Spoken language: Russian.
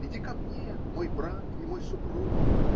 Иди ко мне, мой брат и мой супруг!